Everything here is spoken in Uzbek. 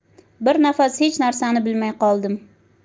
bir nafas hech narsani bilmay qoldim